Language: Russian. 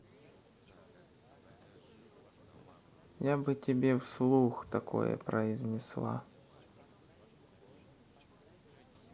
я бы тебе вслух такое произнесла